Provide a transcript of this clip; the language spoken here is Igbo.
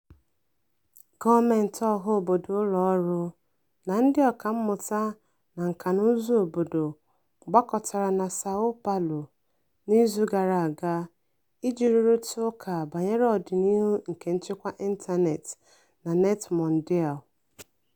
Gọọmenti, ọha obodo, ụlọọrụ, na ndị ọkàmmụta na nkànaụzụ obodo gbakọtara na Sao Paulo n'izu gara aga iji rụrịta ụka banyere ọdịnihu nke nchịkwa ịntanetị na NETmundial.